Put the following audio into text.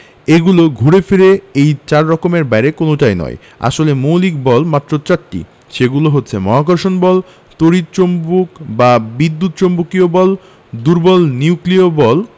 এগুলো ঘুরে ফিরে এই চার রকমের বাইরে কোনোটা নয় আসলে মৌলিক বল মাত্র চারটি সেগুলো হচ্ছে মহাকর্ষ বল তড়িৎ চৌম্বক বা বিদ্যুৎ চৌম্বকীয় বল দুর্বল নিউক্লিয় বল